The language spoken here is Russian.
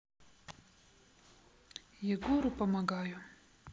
егору помогаю